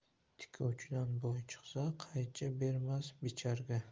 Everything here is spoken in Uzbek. tikuvchidan boy chiqsa qaychi bermas bicharga